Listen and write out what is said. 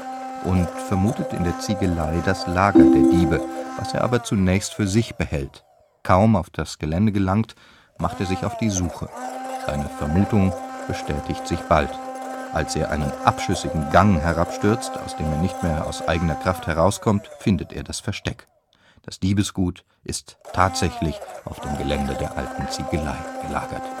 und vermutet in der Ziegelei das Lager der Diebe, was er aber zunächst für sich behält. Kaum auf das Gelände gelangt, macht er sich auf die Suche. Seine Vermutung bestätigt sich bald: Als er einen abschüssigen Gang herabstürzt, aus dem er nicht mehr aus eigener Kraft herauskommt, findet er das Versteck. Das Diebesgut ist tatsächlich auf dem Gelände der alten Ziegelei gelagert